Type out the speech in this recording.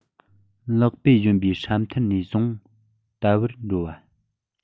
ལག པས བཞོན པའི སྲབ མཐུར ནས བཟུང ནས དལ བུར འགྲོ བ